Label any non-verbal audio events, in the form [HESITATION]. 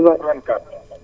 [HESITATION] numéro bi